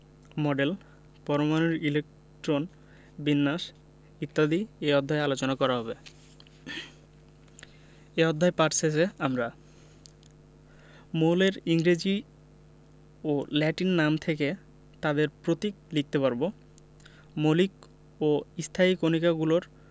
model পরমাণুর electron বিন্যাস ইত্যাদি এ অধ্যায়ে আলোচনা করা হবে এ অধ্যায় এর পাঠ শেষে আমরা মৌলের ইংরেজি ও ল্যাটিন নাম থেকে তাদের প্রতীক লিখতে পারব মৌলিক ও স্থায়ী কণিকাগুলোর